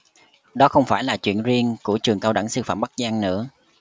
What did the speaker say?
đó không phải là chuyện riêng của trường cao đẳng sư phạm bắc giang nữa